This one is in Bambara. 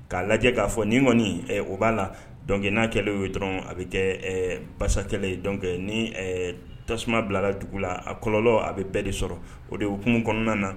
K'a lajɛ k'a fɔ ni kɔniɔni o b'a la dɔnkili n'a kɛlen ye dɔrɔn a bɛ kɛ basa kɛlɛ ye dɔn ni tasuma bilara dugu la a kɔlɔ a bɛ bɛɛ de sɔrɔ o de yekumu kɔnɔna na